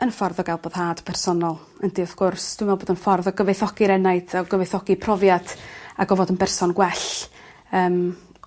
yn ffordd o ga'l boddhad bersonol yndi wrth gwrs dwi me'wl bod o'n ffordd o gyfoethogi'r enaid a gyfoethogi profiad ag o fod yn berson gwell yym